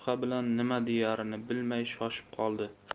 shubha bilan nima deyarini bilmay shoshib qoldi